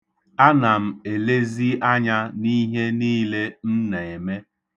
Ana m elezi anya n'ihe niile m na-eme.